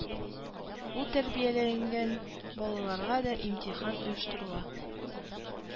Ул тәрбияләнгән балаларга да имтихан оештырыла